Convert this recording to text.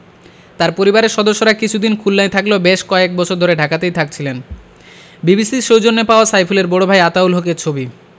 তাঁর পরিবারের সদস্যরা কিছুদিন খুলনায় থাকলেও বেশ কয়েক বছর ধরে ঢাকাতেই থাকছিলেন বিবিসির সৌজন্যে পাওয়া সাইফুলের বড় ভাই আতাউল হকের ছবি